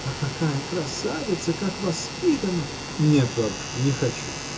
А какая красавица, как воспитана! — Нет, бабушка, не хочу!